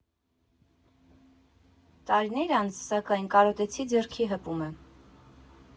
Տարիներ անց, սակայն, կարոտեցի ձեռքի հպումը։